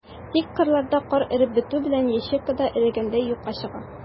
Тик кырларда кар эреп бетү белән, ячейка да эрегәндәй юкка чыга.